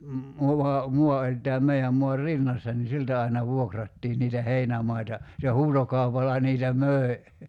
muva maa oli tämän meidän maan rinnassa niin siltä aina vuokrattiin niitä heinämaita se huutokaupalla niitä möi